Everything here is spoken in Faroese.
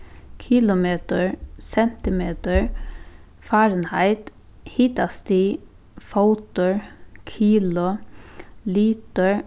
kilometur sentimetur fahrenheit hitastig fótur kilo litur